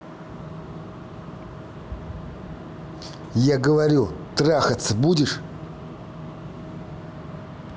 я говорю трахаться будешь